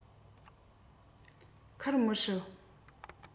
ཁུར མི སྲིད